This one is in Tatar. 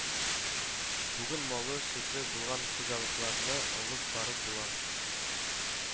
Бүген малы, сөте булган хуҗалыкларны алып барып була